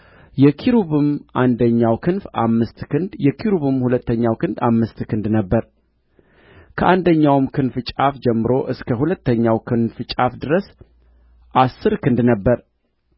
የኪሩብም አንደኛው ክንፍ አምስት ክንድ የኪሩብም ሁለተኛው ክንፍ አምስት ክንድ ነበረ ከአንደኛው ክንፍ ጫፍ ጀምሮ እስክ ሁለተኛው ክንፍ ጫፍ ድረስ አሥር ክንድ ነበረ